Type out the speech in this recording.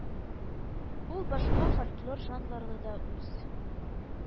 Ул башка фольклор жанрларны да үз